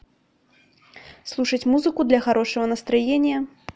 слушать музыку для хорошего настроения